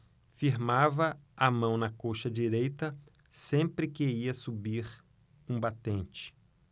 firmava a mão na coxa direita sempre que ia subir um batente